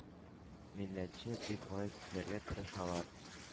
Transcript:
Милләтче дип гаепләргә тырышалар.